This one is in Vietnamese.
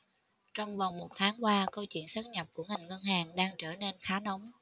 trong vòng một tháng qua câu chuyện sáp nhập của ngành ngân hàng đang trở nên khá nóng